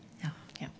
ja.